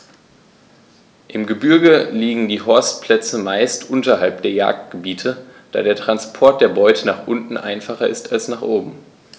Im Gebirge liegen die Horstplätze meist unterhalb der Jagdgebiete, da der Transport der Beute nach unten einfacher ist als nach oben.